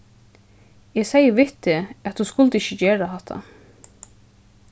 eg segði við teg at tú skuldi ikki gera hatta